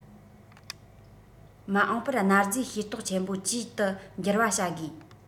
མ འོངས པར གནའ རྫས ཤེས རྟོགས ཆེན པོ བཅུའི ཏུ འགྱུར བ བྱ དགོས